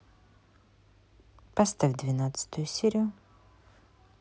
поставь двенадцатую серию